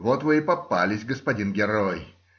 вот вы и попались, господин герой!